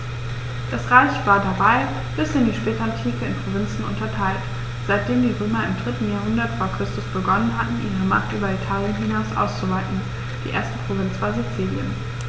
Das Reich war dabei bis in die Spätantike in Provinzen unterteilt, seitdem die Römer im 3. Jahrhundert vor Christus begonnen hatten, ihre Macht über Italien hinaus auszuweiten (die erste Provinz war Sizilien).